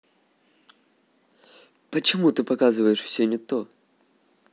почему ты показываешь все не то